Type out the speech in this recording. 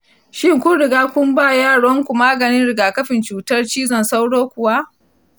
shin kun riga kun ba yaronku maganin rigakafin cutar cizon sauro kuwa?